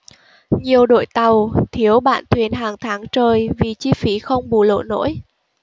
nhiều đội tàu thiếu bạn thuyền hàng tháng trời vì chi phí không bù lỗ nổi